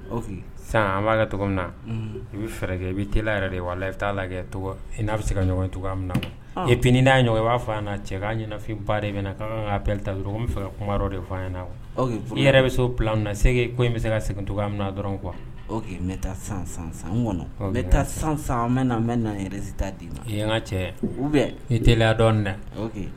An b'a ka min na i bɛ fɛɛrɛ kɛ i bɛ t yɛrɛ de i n'a bɛ se ka ɲɔgɔn i pini n'a ɲɔgɔn i'a cɛ k'a ɲɛnafin ba de bɛna kuma de i yɛrɛ bɛ so min na se ko bɛ se ka segin min dɔrɔn kuwa n taa san san san kɔnɔ bɛ taa san san an mɛ n mɛ n yɛrɛta d'i ma yan n ka cɛ u teliya dɔn dɛ